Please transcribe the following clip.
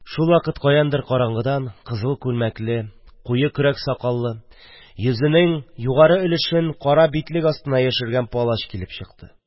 Шулвакыт каяндыр караңгыдан кызыл күлмәкле, куе көрәк сакаллы, йөзенең югары өлешен кара битлек астына яшергән палач килеп чыкты.